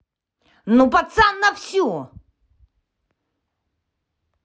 ну пацан на всю